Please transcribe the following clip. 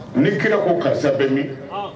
Ne kira ko ko karisa bɛ min?